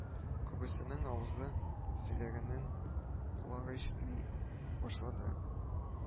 Күбесенең авызы сөйләгәнен колагы ишетми башлады